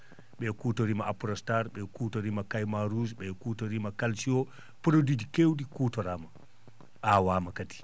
?e kuutoriima prono (apronstar ) ?e kuutoriima caiman rouge ?e kuutoriima calcium produit ji keew?i kuutoraama aawaama kadi